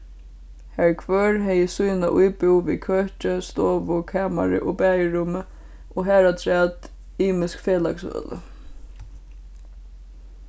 har hvør hevði sína íbúð við køki stovu kamari og baðirúmi og harafturat ymisk felagshøli